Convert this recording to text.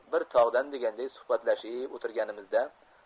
bir tog'dan deganday suhbatlashib o'tirganlarimizda